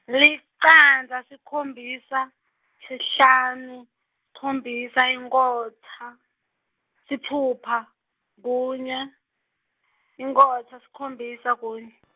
licandza sikhombisa, sihlanu, sikhombisa inkhotsa, sitfupha, kunye, inkhotsa sikhombisa kun- .